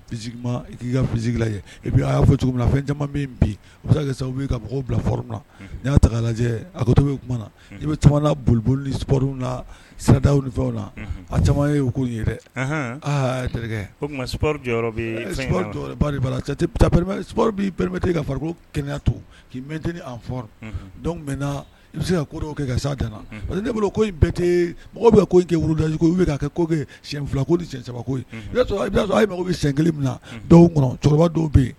Fɛn min mɔgɔw bila lajɛ to i bolioli ni nada a caman' terikɛ' ko kɛnɛya to k'i mɛnt i bɛ se kɛ ka s ne bolo ko inte mɔgɔ bɛ kɛ woroda bɛ kɛ ko kɛ fila ko ni cɛ bɛ kelen min na dɔw kɔnɔ cɛkɔrɔba dɔw bɛ